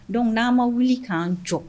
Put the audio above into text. Dɔnku n'an ma wuli k'an jɔ